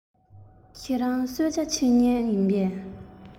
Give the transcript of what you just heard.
ཟ ཀི རེད